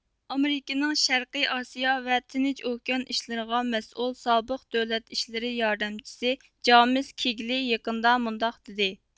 ئامېرىكىنىڭ شەرقىي ئاسىيا ۋە تىنچ ئوكيان ئىشلىرىغا مەسئۇل سابىق دۆلەت ئىشلىرى ياردەمچىسى جامېس كېگلېي يېقىندا مۇنداق دېدى